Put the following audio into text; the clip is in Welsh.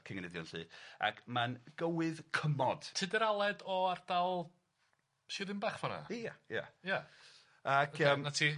a'r cynganeddion 'lly ac ma'n gywydd cymod... Tudur Aled o ardal Sir Ddinbych ffor'na... Ia ia... Ia, 'na ti... Ac yym